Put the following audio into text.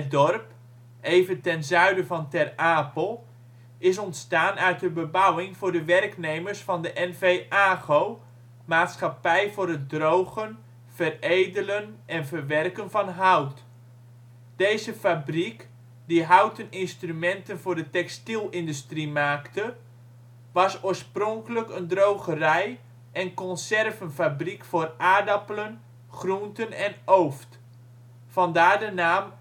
dorp even ten zuiden van Ter Apel is ontstaan uit de bebouwing voor de werknemers van de n.v. AGO, Maatschappij voor het drogen, veredelen en verwerken van hout. Deze fabriek die houten instrumenten voor de textielindustrie maakte,, was oorspronkelijk een drogerij en conservenfabriek voor Aardappelen, Groenten en Ooft, vandaar de naam